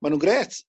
ma' nw'n grêt